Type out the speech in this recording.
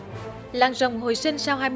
làng rồng hồi sinh sau hai